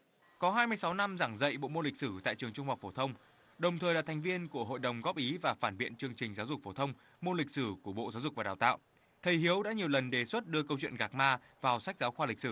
có hai mươi sáu năm giảng dạy bộ môn lịch sử tại trường trung học phổ thông đồng thời là thành viên của hội đồng góp ý và phản biện chương trình giáo dục phổ thông môn lịch sử của bộ giáo dục và đào tạo thầy hiếu đã nhiều lần đề xuất đưa câu chuyện gạc ma vào sách giáo khoa lịch sử